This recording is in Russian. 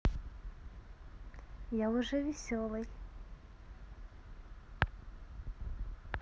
я уже веселый